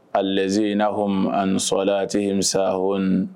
Aleziina houm an solaatihim saa oune